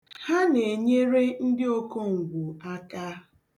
Ha na-enyere ndị okongwu aka.